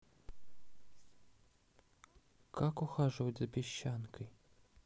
как ухаживать за песчанкой